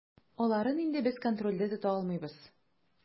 Аларын инде без контрольдә тота алмыйбыз.